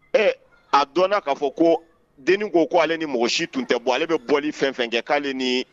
Ɛ a dɔn ka fɔ ko den ko ko ale ni mɔgɔ si tun tɛ bɔ ale bɛ bɔli fɛn fɛn kɛ k'ale nin ye